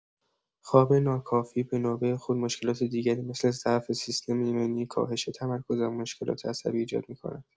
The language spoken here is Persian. خواب ناکافی به نوبه خود مشکلات دیگری مثل ضعف سیستم ایمنی، کاهش تمرکز و مشکلات عصبی ایجاد می‌کند.